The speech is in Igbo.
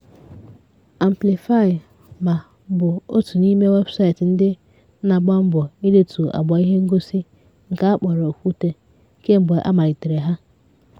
Amplify.ma bụ otu n'ime webụsaịtị ndị na-agba mbọ ịdetu agba ihe ngosi nke a kpọrọ okwute kemgbe a malitere ha.